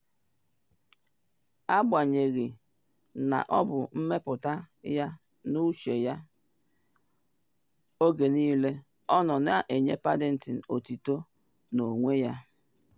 Agbanyeghị na ọ bụ mmepụta ya na uche ya, oge niile ọ nọ na enye Paddington otito n’onwe ya.”